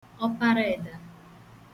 ọparaẹ̀dà